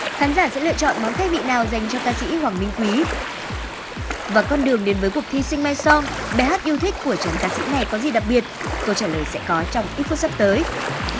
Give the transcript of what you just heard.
khán giả sẽ lựa chọn món khai vị nào dành cho ca sĩ hoàng minh quý và con đường đến với cuộc thi xinh mai soong bài hát yêu thích của chàng ca sĩ này có gì đặc biệt câu trả lời sẽ có trong ít phút sắp tới